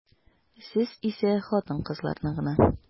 Сез исә хатын-кызларны гына.